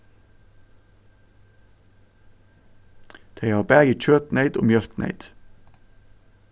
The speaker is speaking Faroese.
tey hava bæði kjøtneyt og mjólkneyt